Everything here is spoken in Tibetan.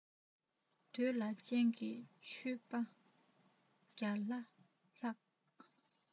འདོད ལ ཅན གྱི ཆོས པ བརྒྱ ལ ལྷག